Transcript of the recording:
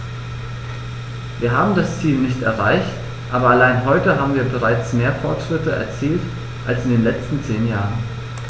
Wir haben das Ziel nicht erreicht, aber allein heute haben wir bereits mehr Fortschritte erzielt als in den letzten zehn Jahren.